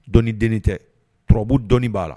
Dɔni den tɛ turabu dɔni b'a la